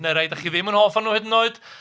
Neu rai dach chi ddim yn hoff ohonyn nhw hyd yn oed.